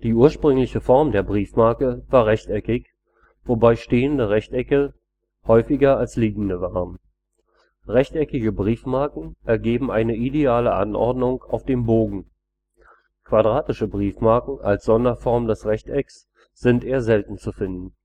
ursprüngliche Form der Briefmarke war rechteckig, wobei stehende Rechtecke häufiger als liegende waren. Rechteckige Briefmarken ergeben eine ideale Anordnung auf dem Bogen. Quadratische Briefmarken als Sonderform des Rechtecks sind eher selten zu finden